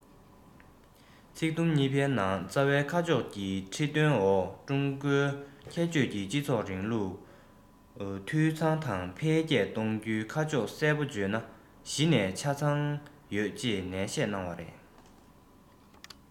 ཚིག དུམ གཉིས པའི ནང རྩ བའི ཁ ཕྱོགས ཀྱི ཁྲིད སྟོན འོག ཀྲུང གོའི ཁྱད ཆོས ཀྱི སྤྱི ཚོགས རིང ལུགས ལམ ལུགས འཐུས ཚང དང འཕེལ རྒྱས གཏོང རྒྱུའི ཁ ཕྱོགས གསལ པོ བརྗོད ན གཞི ནས ཆ ཚང ཡོད ཅེས ནན བཤད གནང བ རེད